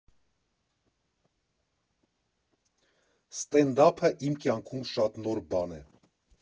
Ստենդափը իմ կյանքում շատ նոր բան է։